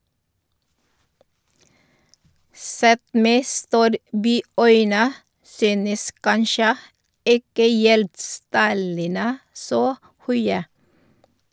Sett med storbyøyne synes kanskje ikke gjeldstallene så høye.